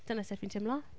Dyna sut fi’n teimlo.